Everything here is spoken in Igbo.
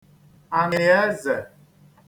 ànị̀ezè